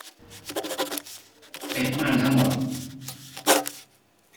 ปิดม่านทั้งหมด